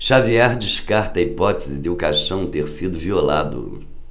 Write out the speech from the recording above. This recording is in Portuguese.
xavier descarta a hipótese de o caixão ter sido violado